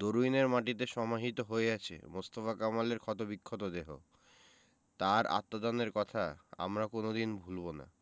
দরুইনের মাটিতে সমাহিত হয়ে আছে মোস্তফা কামালের ক্ষতবিক্ষত দেহ তাঁর আত্মদানের কথা আমরা কোনো দিন ভুলব না